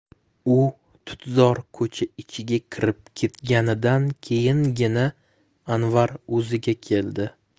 u tutzor ko'cha ichiga kirib ketganidan keyingina anvar o'ziga keldi